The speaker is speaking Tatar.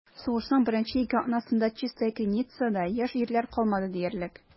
Сугышның беренче ике атнасында Чистая Криницада яшь ирләр калмады диярлек.